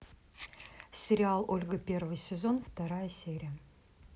сериал ольга первый сезон вторая серия